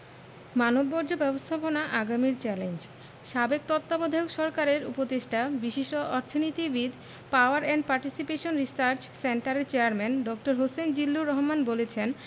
মানববর্জ্য ব্যবস্থাপনা আগামীর চ্যালেঞ্জ সাবেক তত্ত্বাবধায়ক সরকারের উপদেষ্টা বিশিষ্ট অর্থনীতিবিদ পাওয়ার অ্যান্ড পার্টিসিপেশন রিসার্চ সেন্টারের চেয়ারম্যান ড হোসেন জিল্লুর রহমান বলেছেন